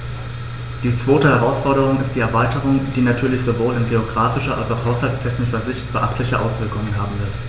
Die zweite Herausforderung ist die Erweiterung, die natürlich sowohl in geographischer als auch haushaltstechnischer Sicht beachtliche Auswirkungen haben wird.